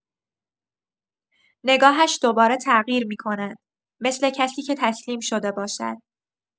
نگاهش دوباره تغییر می‌کند، مثل کسی که تسلیم شده باشد.